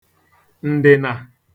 ǹdị̀nà